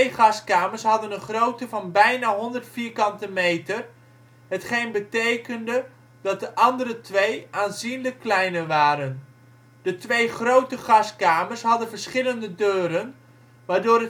gaskamers hadden een grootte van bijna 100 m², hetgeen betekende dat de andere twee aanzienlijk kleiner waren. De twee grote gaskamers hadden verschillende deuren, waardoor